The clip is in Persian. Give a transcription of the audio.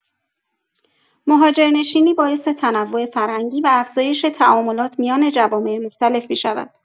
مهاجرنشینی باعث تنوع فرهنگی و افزایش تعاملات میان جوامع مختلف می‌شود.